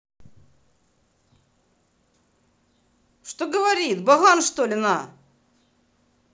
что говорит баран что ли на